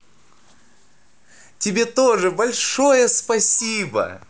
тебе тоже большое спасибо